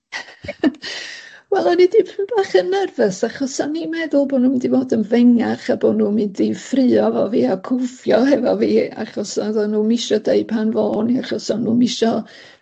Wel o'n i dipyn bach yn nerfus achos o'n i'n meddwl bo' nw'n mynd i fod yn fengach a bo' nw'n mynd i ffrio efo fi a cwffio hefo fi achos oddan nw'm isio deud pan fo'n i achos o'n nw'm isio